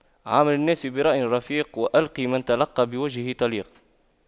عامل الناس برأي رفيق والق من تلقى بوجه طليق